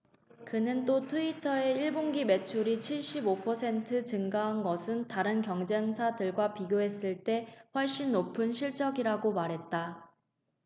그는 또 트위터의 일 분기 매출이 칠십 오 퍼센트 증가한 것은 다른 경쟁사들과 비교했을 때 훨씬 높은 실적이라고 말했다